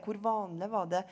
hvor vanlig var det?